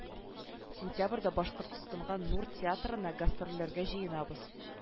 Сентябрьдә башкортстанга нур театрына гастрольләргә җыенабыз